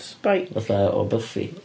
Spike... fatha o Buffy.